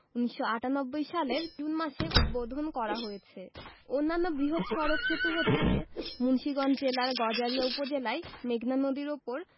১৯৯৮ সালের জুন মাসে উদ্বোধন করা হয়েছে অন্যান্য বৃহৎ সড়ক সেতু হচ্ছে মুন্সিগঞ্জ জেলার গজারিয়া উপজেলায় মেঘনা নদীর উপর